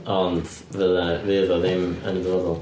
Ond fydda... fydd o ddim yn y dyfodol.